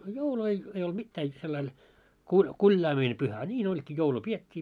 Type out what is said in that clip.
a joulu ei ei ollut mitään jotta sillä lailla - kuljaaminen pyhä a niin olikin joulu pidettiin